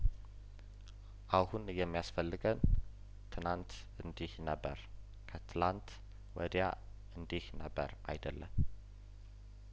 አሁን የሚያስፈልገን ትናንት እንዲህ ነበር ከትላንት ወዲያ እንዲህ ነበር አይደለም